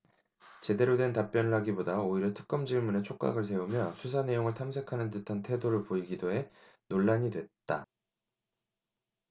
제대로 된 답변을 하기보다 오히려 특검 질문에 촉각을 세우며 수사 내용을 탐색하는 듯한 태도를 보이기도 해 논란이 됐다